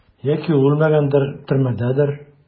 Яки ул үлмәгәндер, төрмәдәдер?